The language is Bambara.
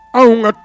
Anw ka